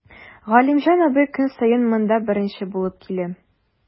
Галимҗан абый көн саен монда беренче булып килә.